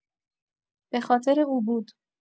به‌خاطر او بود.